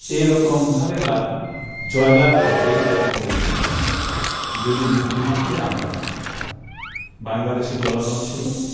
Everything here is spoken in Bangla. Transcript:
এরকমভাবে লাভ জয়লাভ করবে এটা কোনদিনই হতো না যদি মুক্তিযুদ্ধে আমরা না থাকতাম বাংলাদেশের জনগণ ছিল